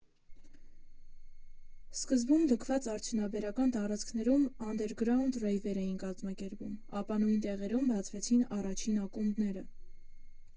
Սկզբում լքված արդյունաբերական տարածքներում անդերգրաունդ ռեյվեր էին կազմակերպում, ապա նույն տեղերում բացվեցին առաջին ակումբները։